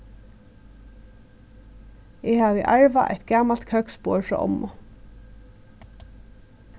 eg havi arvað eitt gamalt køksborð frá ommu